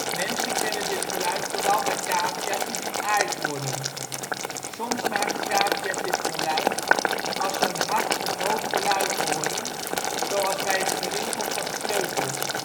Mensen kennen dit geluid vooral bij cavia 's die geaaid worden. Soms maken cavia 's dit geluid als ze een hard of hoog geluid horen, zoals bij het gerinkel van sleutels. Klappertanden